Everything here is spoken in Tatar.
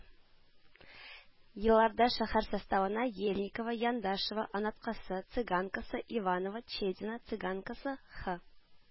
Елларда шәһәр составына ельниково, яндашево, анаткасы, цыганкасы, иваново, чедино, цыганкасы һ